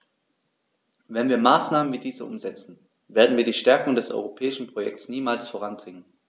Wenn wir Maßnahmen wie diese umsetzen, werden wir die Stärkung des europäischen Projekts niemals voranbringen.